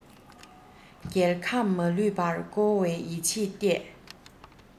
རྒྱལ ཁམས མ ལུས པར བསྐོར བའི ཡིད ཆེས བརྟས